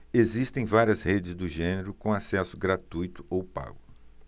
existem várias redes do gênero com acesso gratuito ou pago